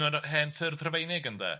Sa- un o hen ffyrdd Rhyfeinig ynde?